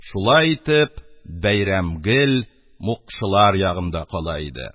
Шулай итеп, бәйрәм гел мукшылар ягында кала иде.